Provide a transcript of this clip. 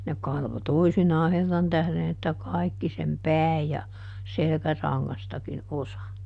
ne kalvoi toisinaan herran tähden että kaikki sen pään ja selkärangastakin osa